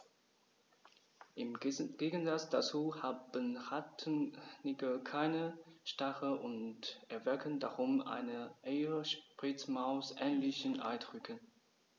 Im Gegensatz dazu haben Rattenigel keine Stacheln und erwecken darum einen eher Spitzmaus-ähnlichen Eindruck.